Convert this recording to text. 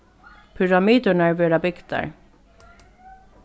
pyramidurnar verða bygdar